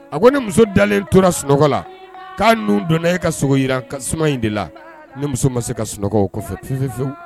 A ko ni muso dalen tora sunɔgɔ la ka nun donna e ka sogo yiran kasa suma in de la. Ne muso ma se ka sunɔgɔ o kɔfɛ fiye fiye wu.